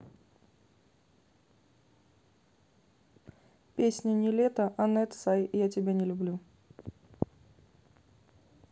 песня niletto анет сай я тебя не люблю